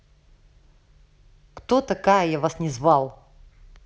кто такая я вас не звал